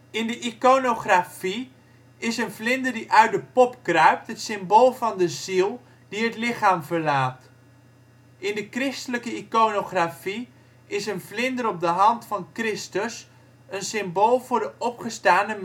iconografie is een vlinder die uit de pop kruipt het symbool van de ziel die het lichaam verlaat. In de christelijke iconografie is een vlinder op de hand van Christus een symbool voor de opgestane